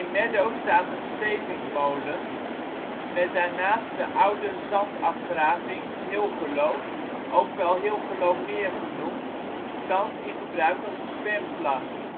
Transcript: Meddo staat de Sevinkmolen met daarnaast de oude zandafgraving ' t Hilgelo (ook wel Hilgelomeer genoemd), thans in gebruik als zwemplas